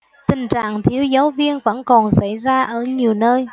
tình trạng thiếu giáo viên vẫn còn xảy ra ở nhiều nơi